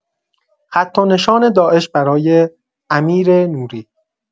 خط و نشان داعش برای امیر نوری